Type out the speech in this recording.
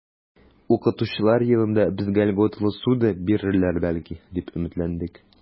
Укытучылар елында безгә льготалы ссуда бирерләр, бәлки, дип өметләндек.